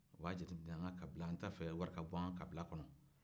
u b'a jate minɛ an kabila an t'a fɛ wari ka bɔ an ka kabila kɔnɔ